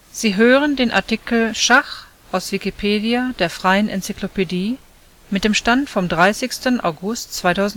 Sie hören den Artikel Schach, aus Wikipedia, der freien Enzyklopädie. Mit dem Stand vom Der